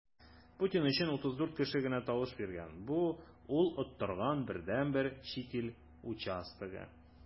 Путин өчен 34 кеше генә тавыш биргән - бу ул оттырган бердәнбер чит ил участогы.